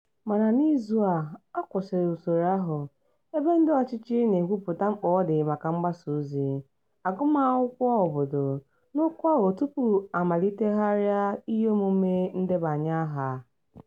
Mana n'izu a, a kwụsịrị usoro ahụ, ebe ndị ọchịchị na-ekwupụta mkpa ọ dị maka mgbasaozi "agụmakwụkwọ obodo" n'okwu ahụ tupu a malitegharịa iheomume ndebanyeaha.